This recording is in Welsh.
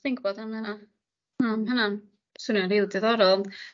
swy'n gwbod am ynna. Wel ma' hynna'n swnio'n ril diddorol.